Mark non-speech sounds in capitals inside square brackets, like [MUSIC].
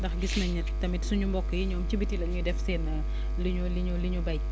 ndax gis nañ [SNIFFS] ni tamit suñu mbokk yi ñoom ci bitti la ñuy def seen li ñu li ñu li ñu béy